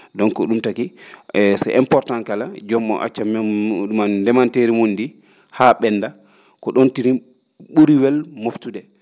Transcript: donc ?um taki e c' est important kala joom oon acca ndemanteeri mun ndii haa ?ennda ko ?oon tirim ?uri welde moftude